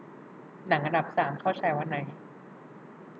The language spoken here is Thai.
หนังอันดับสามเข้าฉายวันไหน